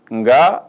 Nka